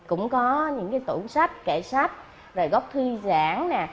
cũng có những cái tủ sách kệ sách rồi góc thư giãn nè